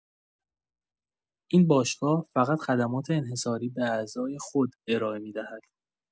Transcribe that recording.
این باشگاه فقط خدمات انحصاری به اعضای خود ارائه می‌دهد.